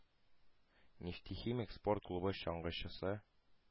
«нефтехимик» спорт клубы чаңгычысы